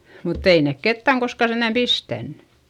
mutta ei ne ketään koskaan sentään pistänyt